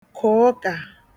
kò ụkà